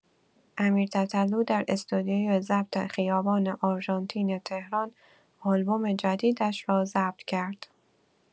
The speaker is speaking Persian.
امیر تتلو در استودیوی ضبط خیابان آرژانتین تهران آلبوم جدیدش را ضبط کرد.